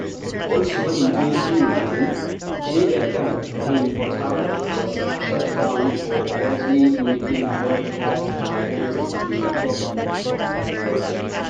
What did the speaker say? Also in 2019, Jay FM in Port Harcourt was shut down for allegedly making broadcasts against the government.